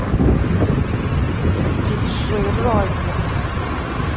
dj radik